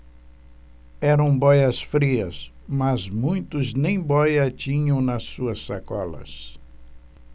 eram bóias-frias mas muitos nem bóia tinham nas suas sacolas